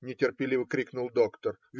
- нетерпеливо крикнул доктор.